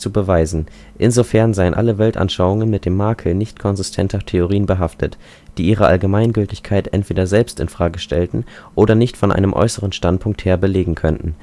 beweisen. Insofern seien alle Weltanschauungen mit dem Makel nichtkonsistenter Theorien behaftet, die ihre Allgemeingültigkeit entweder selbst in Frage stellten oder nicht von einem äußeren Standpunkt her belegen könnten